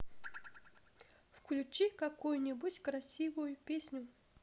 включи какую нибудь красивую песню